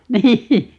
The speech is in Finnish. niin